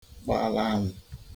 gba l'anwụ